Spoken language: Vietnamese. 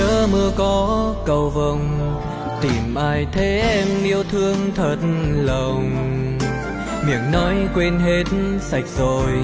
phía mưa có cầu vồng tìm ai thế em yêu thương thật lòng miệng nói quên hết sạch rồi